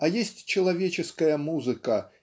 а есть человеческая музыка